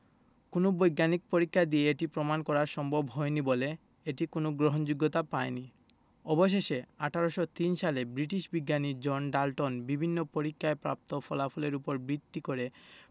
কোনো বৈজ্ঞানিক পরীক্ষা দিয়ে এটি প্রমাণ করা সম্ভব হয়নি বলে এটি কোনো গ্রহণযোগ্যতা পায়নি অবশেষে ১৮০৩ সালে ব্রিটিশ বিজ্ঞানী জন ডাল্টন বিভিন্ন পরীক্ষায় প্রাপ্ত ফলাফলের উপর ভিত্তি করে